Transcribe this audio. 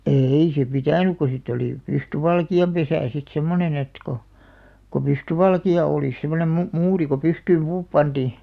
ei se pitänyt kun sitä oli pystyvalkeanpesä sitten semmoinen että kun kun pystyvalkea olisi semmoinen - muuri kun pystyyn puu pantiin